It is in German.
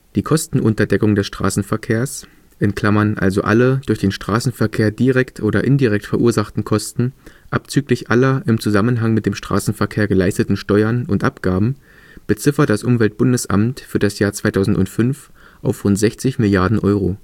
Die Kostenunterdeckung des Straßenverkehrs (also alle durch den Straßenverkehr direkt und indirekt verursachten Kosten abzüglich aller im Zusammenhang mit dem Straßenverkehr geleisteten Steuern und Abgaben) beziffert das Umweltbundesamt für das Jahr 2005 auf rund 60 Mrd. Euro